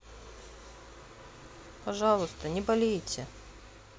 пожалуйста не болейте